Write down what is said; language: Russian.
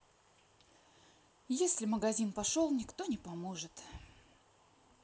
если магазин пошел никто не поможет